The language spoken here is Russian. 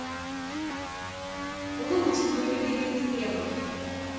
лучик мой любимый кремль